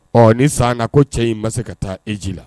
Ɔ ni san na ko cɛ in ma se ka taa eji la